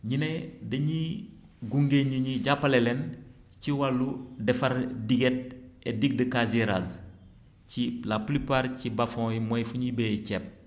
ñu ne dañuy gunge nit ñi jàppale leen ci wàllu defar diguette et digue de casier rase ci la plupart ci bas fond yi mooy fu ñuy bayee ceeb